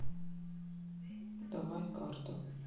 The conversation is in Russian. давай карту